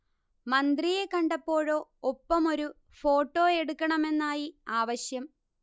മന്ത്രിയെ കണ്ടപ്പോഴോ ഒപ്പമൊരു ഫോട്ടോ എടുക്കണമെന്നായി ആവശ്യം